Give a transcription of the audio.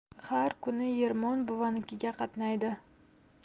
har kuni ermon buvanikiga qatnaydi